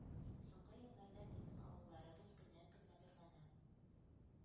Соңгы елларда безнең авылларыбыз көннән-көн матурлана,